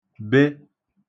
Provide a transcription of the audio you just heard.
be